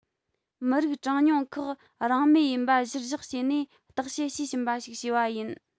མི རིགས གྲངས ཉུང ཁག རང མོས ཡིན པ གཞིར བཞག བྱས ནས བརྟག དཔྱད དཔྱིས ཕྱིན པ ཞིག བྱས པ ཡིན